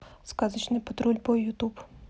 сказочный патруль по ютуб